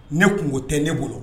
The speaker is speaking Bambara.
Ne tun tɛ ne bolo